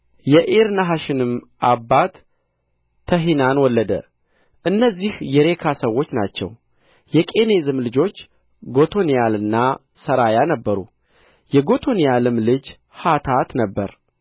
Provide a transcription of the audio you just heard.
የዒርናሐሽንም አባት ተሒናን ወለደ እነዚህ የሬካ ሰዎች ናቸው የቄኔዝም ልጆች ጎቶንያልና ሠራያ ነበሩ የጎቶንያልም ልጅ ሐታት ነበረ